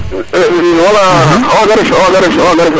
wala a waga ref a waga rek